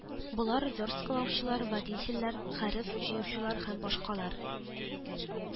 Болар версткалаучылар, водительләр, хәреф җыючылар һәм башкалар